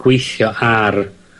gweithio ar